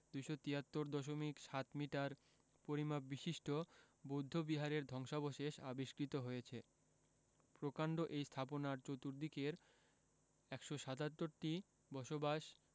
২৭৩ দশমিক সাত মিটার পরিমাপ বিশিষ্ট বৌদ্ধ বিহারের ধ্বংসাবশেষ আবিষ্কৃত হয়েছে প্রকান্ড এই স্থাপনার চতুর্দিকের ১৭৭টি বসবাস